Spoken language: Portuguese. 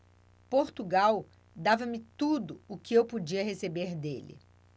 portugal dava-me tudo o que eu podia receber dele